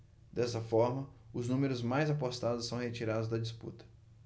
dessa forma os números mais apostados são retirados da disputa